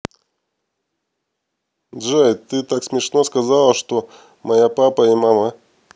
джой ты так смешно сказала что моя папа и мама